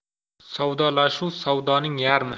savdolashuv savdoning yarmi